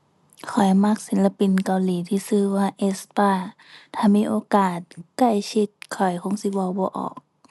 ข้อยมักศิลปินเกาหลีที่ชื่อว่า Aespa ถ้ามีโอกาสใกล้ชิด ข้อยคงสิเว้าบ่ออก